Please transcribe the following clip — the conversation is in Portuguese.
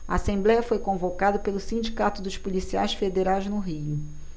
a assembléia foi convocada pelo sindicato dos policiais federais no rio